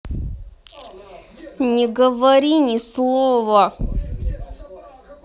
не говори ни слова